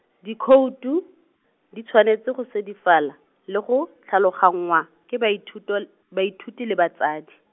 dikhoutu, di tshwanetse go sedifala, le go , tlhaloganngwa, ke baithuto-, baithuti le batsadi.